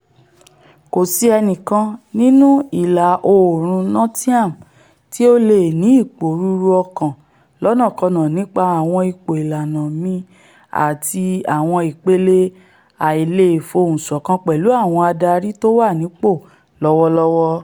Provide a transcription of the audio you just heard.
Kòsí ẹnikan nínú Ìla-oòrùn Nottingham tí ó leè ní ìpòrúùru ọkàn lọ́nàkọnà nípa àwọn ipò ìlànà mi àti àwọn ipele àìleèfohùnṣọ̀kan pẹ̀lú àwọn adàri tówànípò lọ́wọ́lọ́wọ́.